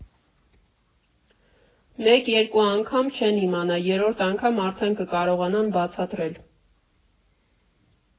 Մեկ֊երկու անգամ չեն իմանա, երրորդ անգամ արդեն կկարողանան բացատրել։